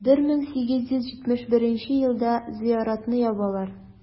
1871 елда зыяратны ябалар.